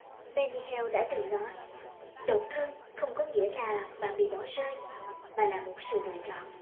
mandy hale đã từng nói độc thân không có nghĩa là bạn bị bỏ rơi mà là một sự lựa chọn